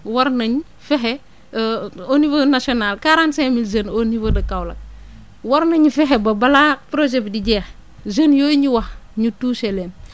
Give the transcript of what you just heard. war nañ fexe au niveau national quarante cinq mille jeunes au niveau de Kaolack war nañu fexe ba balaa projet bi di jeex jeunes yooyu ñu wax énu touché leen